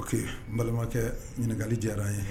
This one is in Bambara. O que n balimakɛ ɲininkali diyara ye